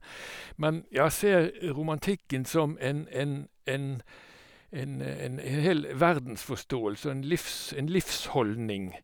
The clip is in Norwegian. Men jeg ser romantikken som en en en en en en hel verdensforståelse og en livs en livsholdning.